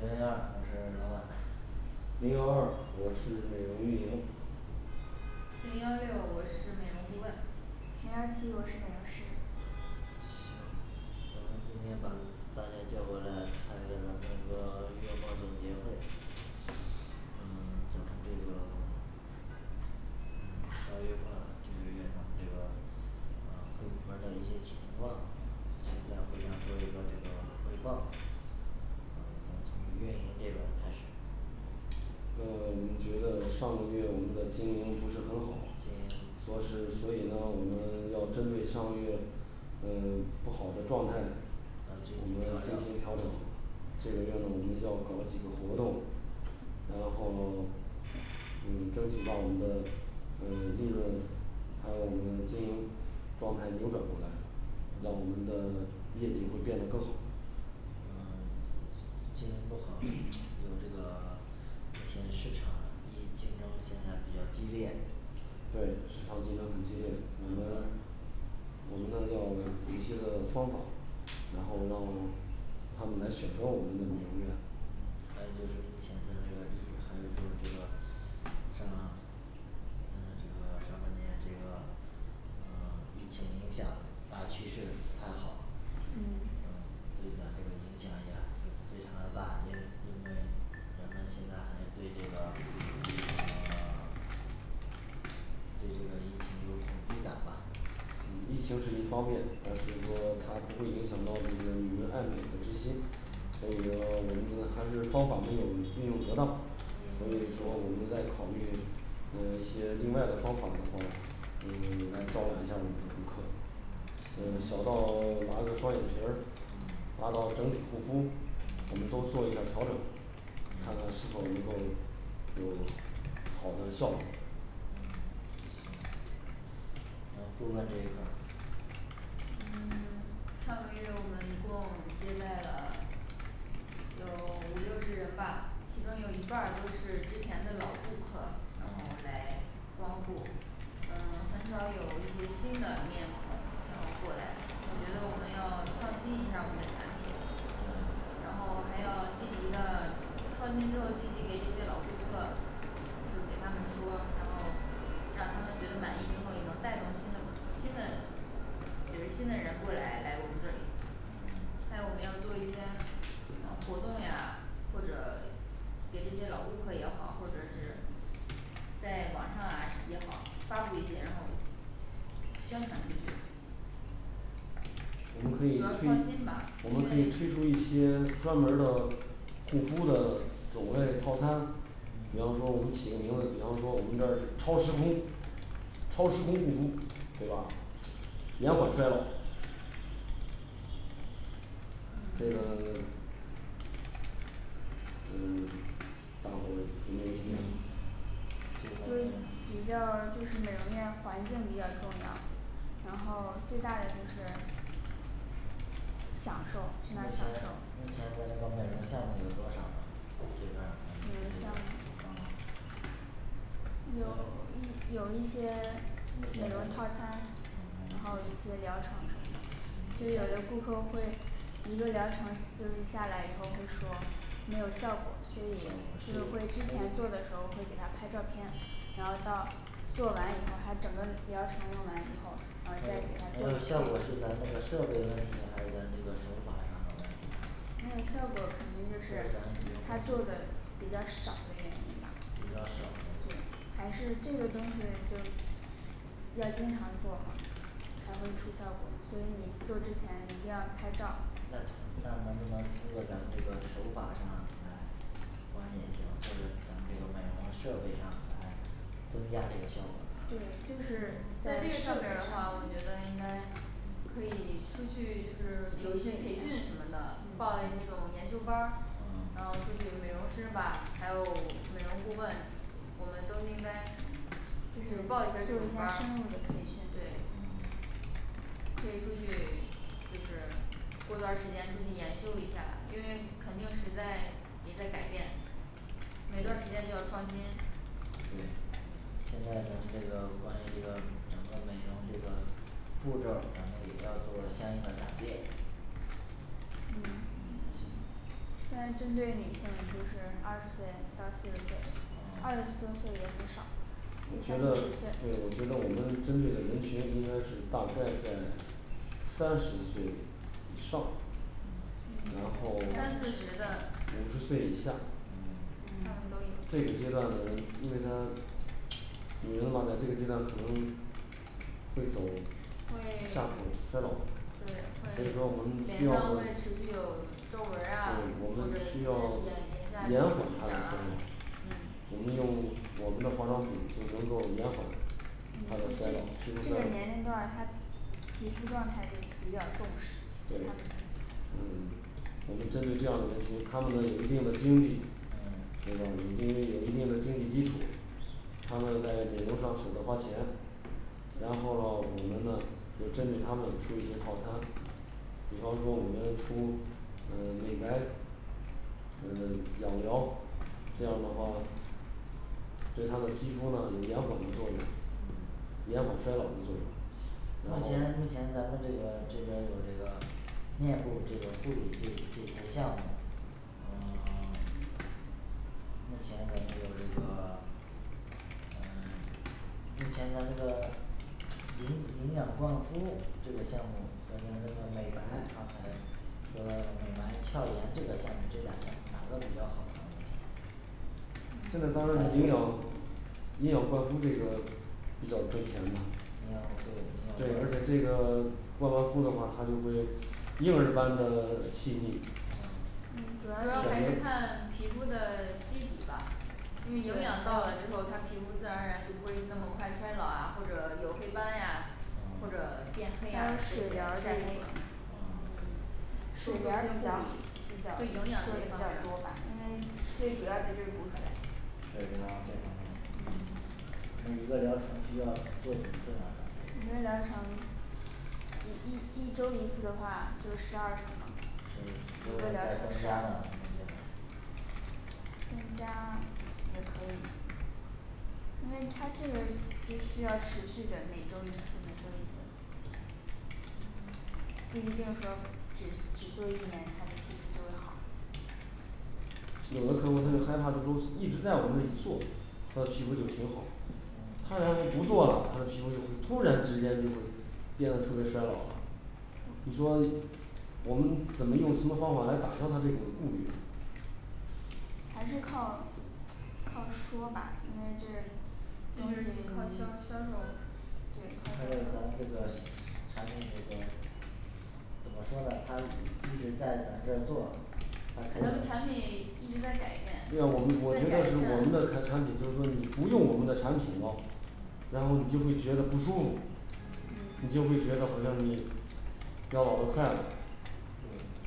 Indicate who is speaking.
Speaker 1: 零零二我是老板
Speaker 2: 零幺二我是美容运营
Speaker 3: 零幺六我是美容顾问
Speaker 4: 零幺七我是美容师
Speaker 1: 行咱们今天把大家叫过来开个咱这个月末总结会嗯 咱们这个嗯到月末这个月咱们这个啊各部门儿的一些情况现在会上做一个这个汇报呃我们从运营这边儿开始
Speaker 2: 呃我们觉得上个月我们的经营不是很好
Speaker 1: 经，营
Speaker 2: 所是所以呢我们要针对上个月呃 不好的状态
Speaker 1: 啊这个
Speaker 2: 我
Speaker 1: 一
Speaker 2: 们
Speaker 1: 定要
Speaker 2: 要进行调
Speaker 1: 让
Speaker 2: 整这个月呢我们要搞几个活动然后 嗯争取把我们的呃利润还有我们经营状态扭转过来让我们的业绩会变得更好
Speaker 1: 呃 经营不好，有这个目前市场已竞争现在比较激烈
Speaker 2: 对市场竞争很激烈，我们我们呢要有一些的方法然后让他们来选择我们的美容院
Speaker 1: 还有就是目前咱这个一还有就是这个上呃这个上半年这个呃疫情影响大趋势不太好，嗯
Speaker 4: 嗯
Speaker 1: 对咱这个影响也非常的大因因为人们现在还对这个呃 对这个疫情有恐惧感吧
Speaker 2: 嗯疫情是一方面，但是说它不会影响到这个女人爱美的之心
Speaker 1: 嗯
Speaker 2: 所以说我们还是方法没有运用得当，所以说我们在考虑呃一些另外的方法不同，嗯来招揽一下儿我们的顾客
Speaker 1: 嗯
Speaker 2: 嗯小到拉个双眼皮儿
Speaker 1: 嗯
Speaker 2: 大到整体护肤，我们都做一下儿调整看
Speaker 1: 嗯
Speaker 2: 看是否能够有好的效应
Speaker 1: 嗯行啊顾问这一块儿
Speaker 3: 嗯 上个月我们一共接待了有五六十人吧其中有一半儿都是之前的老顾客了，然
Speaker 1: 然
Speaker 3: 后来
Speaker 1: 后
Speaker 3: 光顾嗯很少有一些新的面孔，然后过来，我觉得我们要创新一下我们的产品
Speaker 1: 嗯
Speaker 3: 然后还要积极的创新之后，积极给这些老顾客就给他们说然后让他们觉得满意之后也能带动新的新的领着新的人过来来我们这里
Speaker 1: 嗯
Speaker 3: 还有我们要做一些什么活动呀，或者给这些老顾客也好，或者是在网上啊也好，发布一些，然后宣传出去
Speaker 2: 我们可
Speaker 3: 主
Speaker 2: 以推
Speaker 3: 要创新吧
Speaker 2: 我
Speaker 3: 因
Speaker 2: 们可
Speaker 3: 为
Speaker 2: 以推出一些专门儿的护肤的种类套餐比方说我们起个名字，
Speaker 1: 嗯
Speaker 2: 比方说我们起个名字比方说我们这是超时空超时空护肤对吧？延缓衰老这个
Speaker 1: 嗯
Speaker 2: 呃 大伙儿都没意见吧
Speaker 1: 这方
Speaker 4: 嗯
Speaker 1: 面
Speaker 4: 比较就是美容院环境比较重要然后最大的就是享受
Speaker 1: 目
Speaker 4: 去
Speaker 1: 前
Speaker 4: 那
Speaker 1: 目
Speaker 4: 儿享受。
Speaker 1: 前咱这个美容项目有多少呢这边
Speaker 4: 美容
Speaker 1: 儿
Speaker 4: 项
Speaker 1: 还
Speaker 4: 目
Speaker 1: 有边儿啊
Speaker 4: 有
Speaker 1: 嗯
Speaker 4: 一有一些
Speaker 1: 目前
Speaker 4: 美容套
Speaker 1: 有
Speaker 4: 餐，然
Speaker 1: 嗯
Speaker 4: 后一些疗程什么的，就有的顾客会一个疗程就是下来以后会说没有效果，所以所以会之前做的时候会给他拍照片然后到做完以后她整个疗程用完以后，然
Speaker 1: 嗯
Speaker 4: 后再给她做
Speaker 1: 没
Speaker 4: 一个
Speaker 1: 有效果是咱
Speaker 4: 对比
Speaker 1: 那个设备问题还是咱这个手法上的问题，
Speaker 4: 没有效果，可能就是他做的比较少的原因吧
Speaker 1: 比较少的
Speaker 4: 对
Speaker 1: 原因
Speaker 4: 还是这个东西就要经常做嘛才会出效果，所以你做之前一定要拍照儿
Speaker 1: 那那能不能通过咱们这个手法上，来缓解一下或者咱们这个美容设备上把它增加那个效
Speaker 4: 对
Speaker 1: 果，呢，
Speaker 4: 就是在
Speaker 3: 在这
Speaker 4: 设
Speaker 3: 上
Speaker 4: 备
Speaker 3: 面儿的话
Speaker 4: 上
Speaker 3: 我
Speaker 4: 面
Speaker 3: 觉得应该可以出去就是有一些培训什么的，报那种研修班儿，
Speaker 1: 嗯
Speaker 3: 然后出去美容师吧，还有美容顾问我们都是应该
Speaker 4: 做
Speaker 3: 去报一下这种班儿
Speaker 4: 一下深入的培训
Speaker 3: 对
Speaker 1: 嗯
Speaker 3: 可以出去就是过段儿时间自己研究一下吧，因为肯定时代也在改变每段儿时间就要创新
Speaker 1: 对现在咱们这个关于这个整个美容这个步骤儿，咱们也要做相应的改变嗯行
Speaker 4: 嗯现在针对女性就是二十岁到四十岁，
Speaker 1: 哦
Speaker 4: 二十多岁也很少
Speaker 2: 我
Speaker 4: 三
Speaker 2: 觉
Speaker 4: 四
Speaker 2: 得
Speaker 4: 十岁
Speaker 2: 对我觉得我们针对的人群应该是大概在三十岁以上
Speaker 4: 嗯
Speaker 1: 嗯
Speaker 2: 然后
Speaker 1: 三四十的
Speaker 2: 五十岁以下
Speaker 1: 嗯
Speaker 3: 什么都有
Speaker 2: 这个阶段的人，因为他女人吧在这个阶段可能会走
Speaker 3: 会
Speaker 2: 加速衰老
Speaker 3: 对会脸
Speaker 2: 所以说我们需要，
Speaker 3: 上会持续有皱纹
Speaker 2: 对我们需要延缓
Speaker 3: 儿啊或者
Speaker 2: 她
Speaker 3: 眼
Speaker 2: 的
Speaker 3: 眼
Speaker 2: 衰
Speaker 3: 眼
Speaker 2: 老，
Speaker 3: 下角儿啊嗯
Speaker 2: 我们用我们的化妆品就能够延缓
Speaker 4: 嗯
Speaker 2: 她
Speaker 4: 就
Speaker 2: 的
Speaker 4: 是
Speaker 2: 衰老持
Speaker 4: 这
Speaker 2: 续
Speaker 4: 这个年龄段儿她
Speaker 2: 她的
Speaker 4: 皮肤状态就比较重视对
Speaker 2: 对
Speaker 4: 她们那个
Speaker 2: 嗯我们针对这样的一些他们的有一定的经济
Speaker 1: 嗯，
Speaker 2: 这个已经有一定的经济基础他们在旅游上舍得花钱然后喽我们呢就针对他们出一些套餐比方说我们出呃美白呃养瑶这样儿的话对她的肌肤呢有延缓的作用延缓衰老的作用。然
Speaker 1: 目前
Speaker 2: 后
Speaker 1: 目前咱们这个这边儿有这个面部这个护理这这些项目儿呃 目前咱们有这个嗯 目前咱这个营营养灌输这个项目儿和咱这个美白安排的说美白俏颜这个项目这两个哪个比较好呢目前
Speaker 2: 现在当然营养营养灌输这个比较挣钱的，
Speaker 1: 营养对营养
Speaker 2: 对
Speaker 1: 灌
Speaker 2: 而且
Speaker 1: 肤
Speaker 2: 这
Speaker 1: 嗯
Speaker 2: 个灌完肤的话他就会婴儿般的细腻
Speaker 1: 哦
Speaker 4: 嗯主要
Speaker 3: 主要
Speaker 4: 是
Speaker 3: 还是看皮肤的肌底吧因为营养到了之后，他皮肤自然而然就不会那么快衰老啊或者有黑斑呀或者
Speaker 1: 嗯
Speaker 3: 变
Speaker 4: 还
Speaker 3: 黑呀
Speaker 4: 有水疗儿这
Speaker 3: 在
Speaker 4: 一
Speaker 3: 内
Speaker 4: 种
Speaker 3: 的嗯
Speaker 1: 嗯
Speaker 4: 水疗儿
Speaker 3: 护理
Speaker 4: 比较好比较做
Speaker 3: 对营养这
Speaker 4: 的比
Speaker 3: 方
Speaker 4: 较
Speaker 3: 面
Speaker 4: 多吧
Speaker 3: 儿
Speaker 4: 因为最主要的就是补水
Speaker 1: 水疗这方面儿
Speaker 4: 嗯每个疗程一一一周一次的话就是十二次了
Speaker 1: 十二次
Speaker 4: 五个疗
Speaker 1: 等十二了可以再
Speaker 4: 程
Speaker 1: 增
Speaker 4: 十二
Speaker 1: 加
Speaker 4: 次增加也可以因为他这个就需要持续的每周一次每周一次不一定说只只做一年她的皮肤就会好
Speaker 2: 有的客户他就害怕就是说一直在我们这里做他的皮肤就挺好
Speaker 1: 嗯
Speaker 2: 他然后不做了，他的皮肤就会突然之间就会变得特别衰老了你说以我们怎么用什么方法来打消他这种顾虑
Speaker 4: 还是靠靠说吧，因为这
Speaker 3: 就是也靠销销售
Speaker 4: 对
Speaker 1: 还有咱们这个产品这个怎么说呢他一直在咱这儿做，但
Speaker 3: 可
Speaker 1: 是
Speaker 3: 能产品一直在改变
Speaker 4: 对呀我们我觉得是我们的产产品就是说你不用我们的产品喽
Speaker 2: 然后你就会觉得不舒服
Speaker 4: 嗯
Speaker 2: 你就会觉得好像你要往后快了